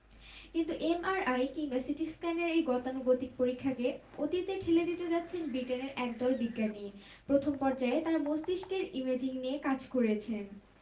কারণ এই পরীক্ষা করা ব্যয়বহুল তো বটেই একই সাথে রোগীকে পরীক্ষার সময় অনেক ধৈর্য্যের পরীক্ষা দিতে হয় আর এই পরীক্ষা করা হয়ে থাকে অনেকটা গা ছমছম করা পরিবেশে ভারী ভারী ও দামি যন্ত্রপাতির সাহায্যে